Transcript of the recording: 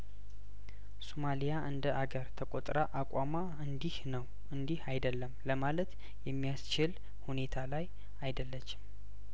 ሱማሊያእንደ አገር ተቆጥራ አቋሟ እንዲህ ነው እንዲህ አይደለም ለማለት የሚያስችል ሁኔታ ላይ አይደለችም